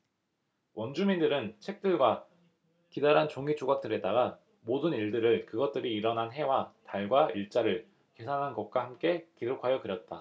원주민들은 책들과 기다란 종잇조각들에다가 모든 일들을 그것들이 일어난 해와 달과 일자를 계산한 것과 함께 기록하여 그렸다